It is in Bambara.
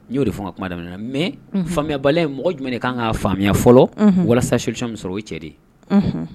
N y'o de fɔ ka kuma da min na mɛ fayaba ye mɔgɔ jumɛn i ka kan ka faamuyaya fɔlɔ walasa min sɔrɔ o cɛ de ye